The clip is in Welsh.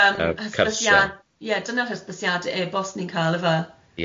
ie dyna'r hysbysiade e-bost ni'n cael yfe.